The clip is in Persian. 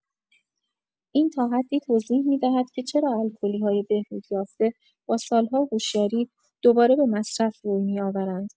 این تا حدی توضیح می‌دهد که چرا الکلی‌های بهبودیافته با سال‌ها هوشیاری دوباره به مصرف روی می‌آورند.